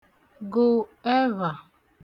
gụ ẹvhà